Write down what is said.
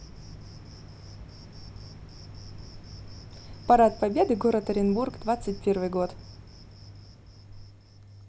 парад победы город оренбург двадцать первый год